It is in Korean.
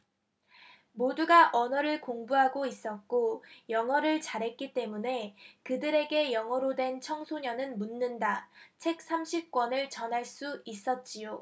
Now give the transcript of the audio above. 모두가 언어를 공부하고 있었고 영어를 잘했기 때문에 그들에게 영어로 된 청소년은 묻는다 책 삼십 권을 전할 수 있었지요